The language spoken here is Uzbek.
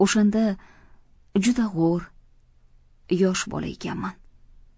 o'shanda juda g'o'r yosh bola ekanman